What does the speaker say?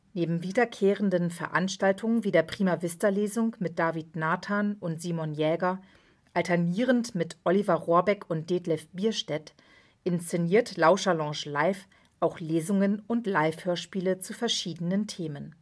Neben wiederkehrenden Veranstaltungen wie der Prima Vista Lesung mit David Nathan und Simon Jäger, alternierend mit Oliver Rohrbeck und Detlef Bierstedt, inszeniert Lauscherlounge Live auch Lesungen und Live-Hörspiele zu verschiedenen Themen